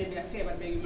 dèje feebar day ñëw